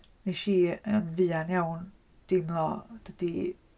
Wnes i, yn fuan iawn deimlo dydy...